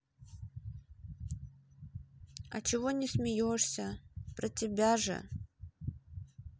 а чего не смеешься про тебя же